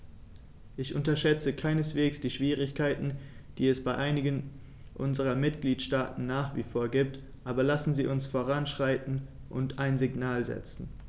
Ich unterschätze keineswegs die Schwierigkeiten, die es bei einigen unserer Mitgliedstaaten nach wie vor gibt, aber lassen Sie uns voranschreiten und ein Signal setzen.